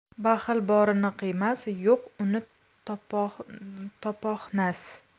baxil borini qiymas yo'q uni topohnas